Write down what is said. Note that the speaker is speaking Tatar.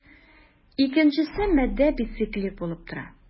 Икенчесе матдә бициклик булып тора.